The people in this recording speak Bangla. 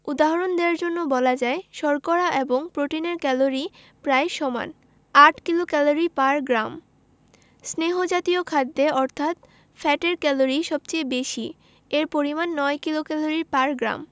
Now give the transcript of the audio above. উদাহরণ দেয়ার জন্যে বলা যায় শর্করা এবং প্রোটিনের ক্যালরি প্রায় সমান ৮ কিলোক্যালরি পার গ্রাম স্নেহ জাতীয় খাদ্যে অর্থাৎ ফ্যাটের ক্যালরি সবচেয়ে বেশি এর পরিমান ৯ কিলোক্যালরি পার গ্রাম